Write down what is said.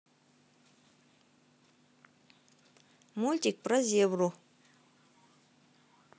мультик про зебру